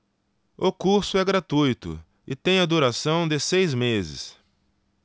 o curso é gratuito e tem a duração de seis meses